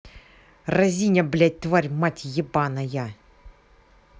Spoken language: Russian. разиня блядь тварь мать ебаная